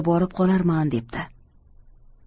borib qolarman debdi